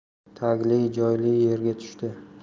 tagli joyli yerga tushdi